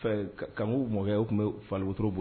Kanu mɔkɛ u tun bɛ farikolobuoro bɔ